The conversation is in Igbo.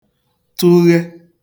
tụghe